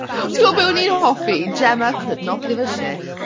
Tibod be o'n i'n hoffi Gemma could not give a shit.